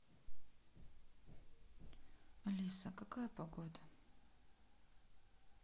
алиса какая погода